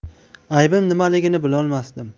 aybim nimaligini bilolmasdim